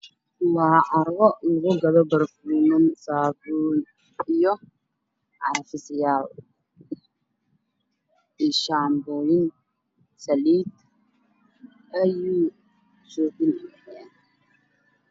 Waa carwo leh labo baraafuun saabuun iyo carfis yaal iyo shaanbooyin saliid ayu shoobin yaal.